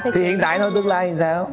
thì hiện tại thôi tương lai sao